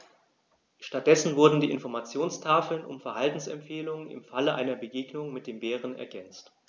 Stattdessen wurden die Informationstafeln um Verhaltensempfehlungen im Falle einer Begegnung mit dem Bären ergänzt.